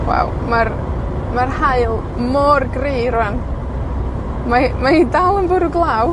Waw. Ma'r, ma'r haul mor gry, rŵan. Mae, mae hi dal yn bwrw glaw.